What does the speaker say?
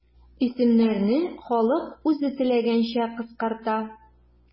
Исемнәрне халык үзе теләгәнчә кыскарта.